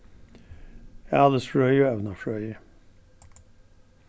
alisfrøði og evnafrøði